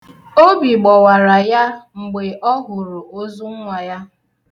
Obi gbawara ya mgbe ọ hụrụ ozu nwa ya.